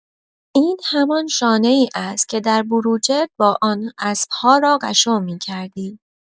این همان شانه‌ای است که در بروجرد با آن اسب‌ها را قشو می‌کردی؟